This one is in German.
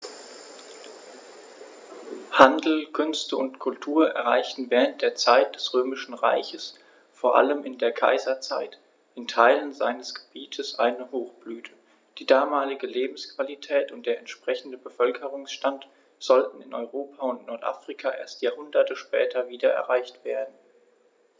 Handel, Künste und Kultur erreichten während der Zeit des Römischen Reiches, vor allem in der Kaiserzeit, in Teilen seines Gebietes eine Hochblüte, die damalige Lebensqualität und der entsprechende Bevölkerungsstand sollten in Europa und Nordafrika erst Jahrhunderte später wieder erreicht werden.